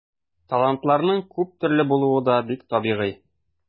Талантларның күп төрле булуы да бик табигый.